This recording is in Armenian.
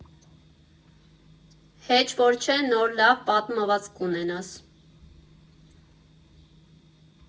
Հեչ որ չէ՝ նոր լավ պատմվածք կունենաս։